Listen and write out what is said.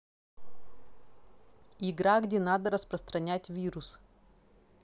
игра где надо распространять вирус